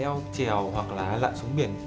leo trèo hoặc là lặn xuống biển